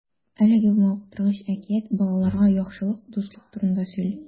Әлеге мавыктыргыч әкият балаларга яхшылык, дуслык турында сөйли.